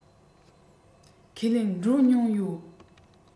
ཁས ལེན འགྲོ མྱོང ཡོད